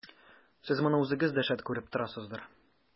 Сез моны үзегез дә, шәт, күреп торасыздыр.